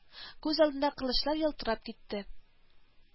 Күз алдында кылычлар ялтырап китте